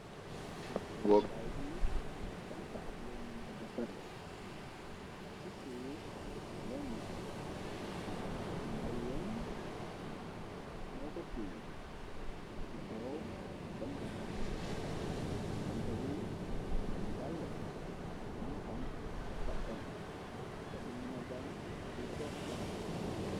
Wookaay bi bënt ak weññen ko defare ci suuf weñ la ñaari weñ moo ko tiye ci kaw bëntala bënta bi den càlles danga xam dafa m taddu mëna gaañ buy toppi.